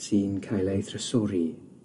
sy'n cael ei thrysori